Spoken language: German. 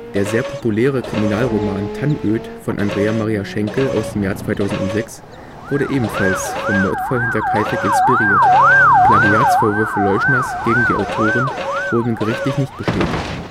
Der sehr populäre Kriminalroman Tannöd von Andrea Maria Schenkel aus dem Jahr 2006 wurde ebenfalls vom Mordfall Hinterkaifeck inspiriert; Plagiatsvorwürfe Leuschners gegen die Autorin wurden gerichtlich nicht bestätigt